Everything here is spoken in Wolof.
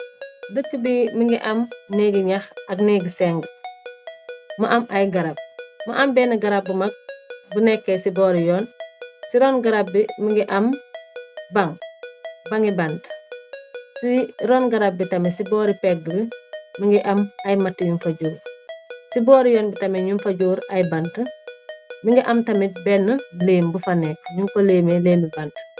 Dëkk bi mu ngi am néggi ñah ak néggi seng. Mu am ay garab, mu am benn garab bu mag bu nekkee ci boori yoon, ci ron garab bi mu ngi am bang, bang ngi bant. Ci ron garab bi tamit ci boori pegg bi mu ngi am ay matt yum fa jur. Ci boori yoon bi tamit ñung fa jóur ay bant mu ngi am tamit benn léem bu fa nekk ñuñ ko léeme léemi bant.